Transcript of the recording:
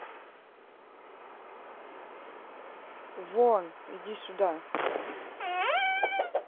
вон иди сюда